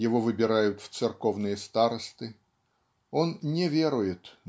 Его выбирают в церковные старосты. Он не верует